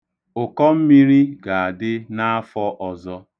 Ụkọmmiri ga-adị n'afọ ọzọ.